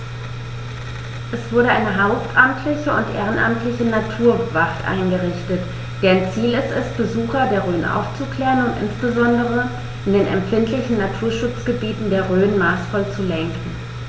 Es wurde eine hauptamtliche und ehrenamtliche Naturwacht eingerichtet, deren Ziel es ist, Besucher der Rhön aufzuklären und insbesondere in den empfindlichen Naturschutzgebieten der Rhön maßvoll zu lenken.